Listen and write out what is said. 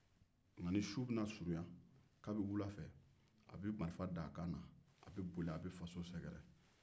nka ni su bɛna surunya a bɛ marifa da a kan na ka ncibugu sɛgɛrɛ